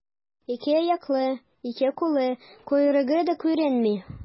Ике аяклы, ике куллы, койрыгы да күренми.